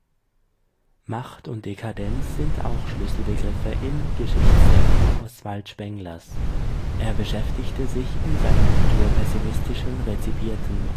Macht “und „ Dekadenz “sind auch Schlüsselbegriffe im Geschichtsdenken Oswald Spenglers. Er beschäftigte sich in seinem kulturpessimistischen rezipierten